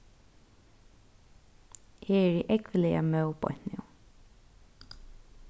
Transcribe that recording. eg eri ógvuliga móð beint nú